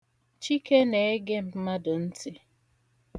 Chike na-ege mmadụ ntị.